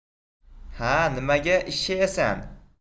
ha nimaga ishshayasan